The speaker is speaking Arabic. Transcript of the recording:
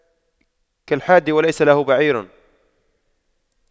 كالحادي وليس له بعير